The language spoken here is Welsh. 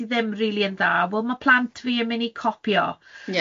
sydd ddim rili yn dda, wel ma' plant fi yn mynd i copîo.